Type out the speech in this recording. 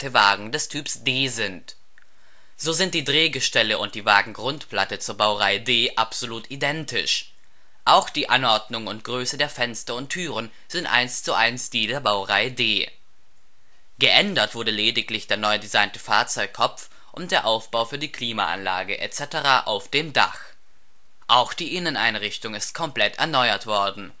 Wagen des Typs D sind. So sind die Drehgestelle und die Wagengrundplatte zur Baureihe D absolut identisch, auch die Anordnung und Größe der Fenster und Türen sind 1:1 die der Baureihe D. Geändert wurde lediglich der neu designte Fahrzeugkopf und der Aufbau für die Klimaanlage etc. auf dem Dach, auch die Inneneinrichtung ist komplett erneuert worden